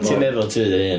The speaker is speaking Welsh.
Ti'm efo tŷ dy hun.